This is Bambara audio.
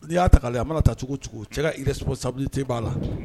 N'i y'a ta k'a lajɛ a mana taa cogo o cogo cɛ ka irresponsabilité b'a la